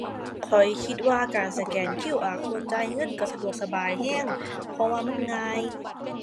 ข้อยคิดว่าการสแกน QR code จ่ายเงินก็สะดวกสบายก็ เพราะว่ามันง่าย